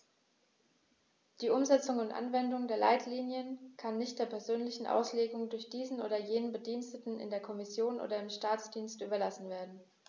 Die Umsetzung und Anwendung der Leitlinien kann nicht der persönlichen Auslegung durch diesen oder jenen Bediensteten in der Kommission oder im Staatsdienst überlassen werden.